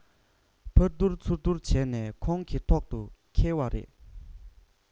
ཕར སྡུར ཚུར སྡུར བྱས ནས ཁོང གི ཐོག ཏུ འཁེལ བ རེད